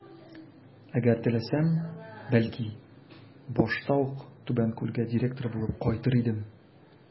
Әгәр теләсәм, бәлки, башта ук Табанкүлгә директор булып кайтыр идем.